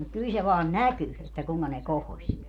mutta kyllä se vain näkyi että kuinka ne kohosi